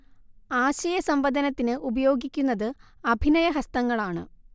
ആശയസം‌വദനത്തിന് ഉപയോഗിക്കുന്നത് അഭിനയഹസ്തങ്ങളാണ്